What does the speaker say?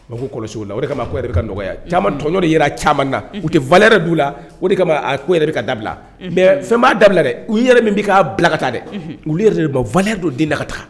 An ko kɔlɔsi o la o de kama a ko yɛrɛ bɛ ka nɔgɔya; unhun caaman ,tɔɲɔ de ye la a caaman na; unhun; u tɛ valeur d'u la; o de kama a ko yɛrɛ bɛ ka dabila; unhun; mais fɛn m'a dabila dɛ; unhun; u yɛrɛ min bɛ ka bila ka taa dɛ; unhun; u yɛrɛ de o ma valeur don den na ka taa.